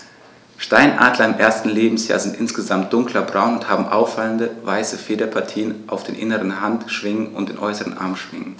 Steinadler im ersten Lebensjahr sind insgesamt dunkler braun und haben auffallende, weiße Federpartien auf den inneren Handschwingen und den äußeren Armschwingen.